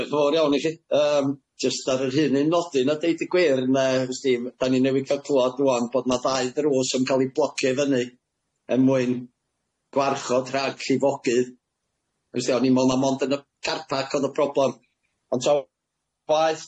Ia dioch yn fowr iawn i chi yym jyst ar yr hyn un nodyn a deud y gwir ne' 'ysdim 'dan ni newydd ca'l clŵad rŵan bod 'na ddau drws yn ca'l i blocio i fyny er mwyn gwarchod rhag llifogydd ystdi o'n i'n me'wl na mond yn y car park o'dd y problem ond traw- waeth